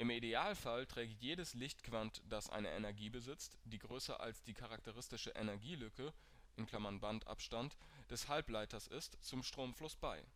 Idealfall trägt jedes Lichtquant, das eine Energie besitzt, die größer als die charakteristische Energielücke (Bandabstand) des Halbleiters ist, zum Stromfluss bei